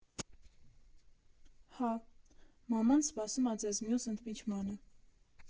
Հա, մաման սպասում ա ձեզ մյուս ընդմիջմանը։